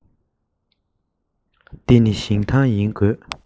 འདི ནི ཞིང ཐང ཡིན དགོས